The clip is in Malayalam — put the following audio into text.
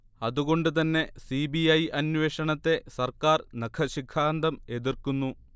അതുകൊണ്ടു തന്നെ സി. ബി. ഐ അന്വേഷണത്തെ സർക്കാർ നഖശിഖാന്തം എതിർക്കുന്നു